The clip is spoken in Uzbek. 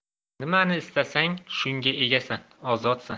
nimani istasang shunga egasan ozodsan